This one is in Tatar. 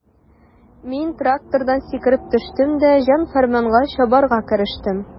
Мин трактордан сикереп төштем дә җан-фәрманга чабарга керештем.